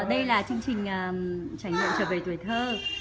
đây là chương trình à trải nghiệm trở về tuổi thơ